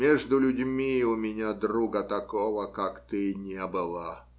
между людьми у меня друга такого, как ты, не было.